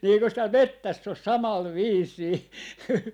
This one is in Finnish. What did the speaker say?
niin eikös täällä metsässä ole samalla viisiin